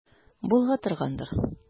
Була торгандыр.